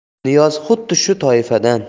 niyoz xuddi shu toifadan